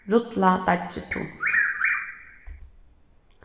rulla deiggið tunt